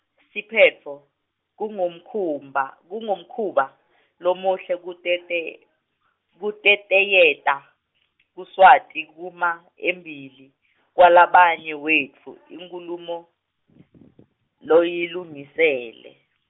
siphetfo, Kungumkhuba Kungumkhuba lomuhle kutete- kutetayeta kukwati kuma embili kwalabanye wetfu- inkhulumo loyilungisile.